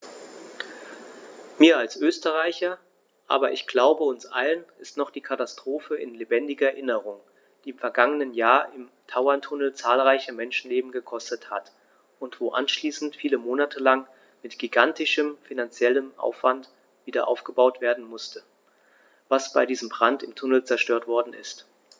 Mir als Österreicher, aber ich glaube, uns allen ist noch die Katastrophe in lebendiger Erinnerung, die im vergangenen Jahr im Tauerntunnel zahlreiche Menschenleben gekostet hat und wo anschließend viele Monate lang mit gigantischem finanziellem Aufwand wiederaufgebaut werden musste, was bei diesem Brand im Tunnel zerstört worden ist.